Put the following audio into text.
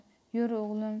yur o'g'lim